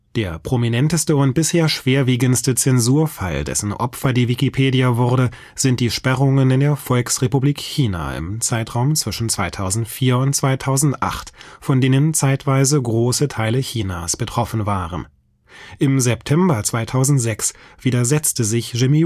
Der prominenteste und bisher schwerwiegendste Zensurfall, dessen Opfer die Wikipedia wurde, sind die Sperrungen in der Volksrepublik China im Zeitraum zwischen 2004 und 2008, von denen zeitweise große Teile Chinas betroffen waren. Im September 2006 widersetzte sich Jimmy